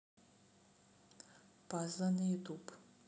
пазлы на ютуб